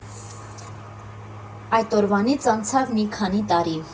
Այդ օրվանից անցավ մի քանի տարի։